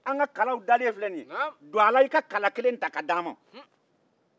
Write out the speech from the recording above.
an ka kalaw dalen filɛ nin ye don a i ka kala kelen ta k'a di an ma